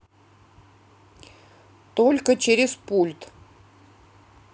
только через пульт